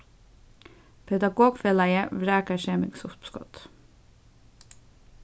pedagogfelagið vrakar semingsuppskot